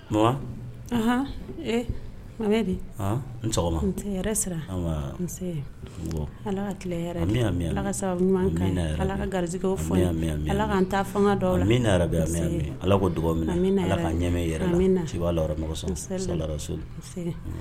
Ala ka gari ala ka taa fanga ala ɲamɛ